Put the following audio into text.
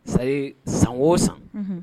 Sabu san oo san